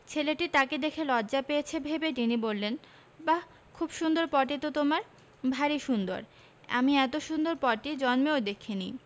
ছেলেটি তাকে দেখে লজ্জা পেয়েছে ভেবে তিনি বললেন বাহ খুব সুন্দর পটি তো তোমার ভারী সুন্দর আমি এত সুন্দর পটি জন্মেও দেখিনি